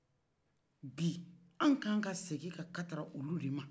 bi an kakan ka segi ka katara olu de ma